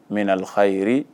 Mɛlhayire